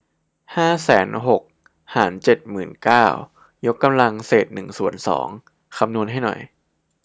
ห้าแสนหกหารเจ็ดหมื่นเก้ายกกำลังเศษหนึ่งส่วนสองคำนวณให้หน่อย